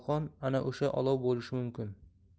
qalqon ana o'sha olov bo'lishi mumkin